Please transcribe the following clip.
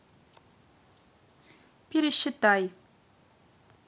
пересчитай